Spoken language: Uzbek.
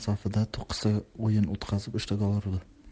safida to'qqizta o'yin o'tkazib uchta gol urdi